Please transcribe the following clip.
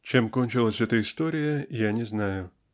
Чем кончилась эта история, не знаю.